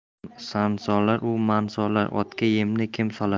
sansolar u mansolar otga yemni kim solar